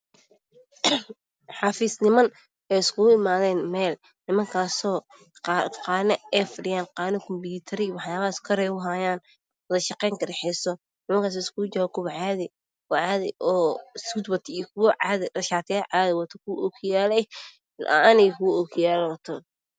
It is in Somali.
Waa xafiis niman ay iskugu imaadeen qaar way fadhiyaan qaarna kumiitaro kor u hayaan waxay iskugu jiraan kuwo suud wato iyo kuwo dhar caadi wato. Kuwo ookiyaalo la'aan ah iyo kuwa ookiyaalo wato.